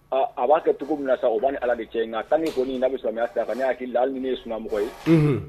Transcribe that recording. A a b'a kɛ cogo min na sa u b'ani Ala de cɛ nka tant que kɔni n'a bɛ silamɛya sira kan ne hakili la hali ni ne ye sunamɔgɔ ye